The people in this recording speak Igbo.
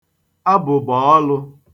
abụ̀bọ̀ọlụ̄